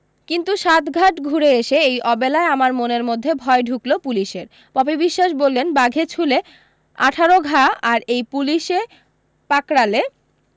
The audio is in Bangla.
কিন্তু সাত ঘাট ঘুরে এসে এই অবেলায় আমার মনের মধ্যে ভয় ঢুকলো পুলিশের পপি বিশ্বাস বললেন বাঘে ছুঁলে আঠারো ঘা আর এই পুলিশে পাকড়ালে